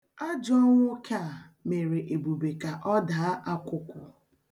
Ajọ nwoke a mere Ebube ka ọ daa akwụkwụ.